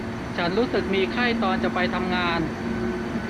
ฉันรู้สึกมีไข้ตอนจะไปทำงาน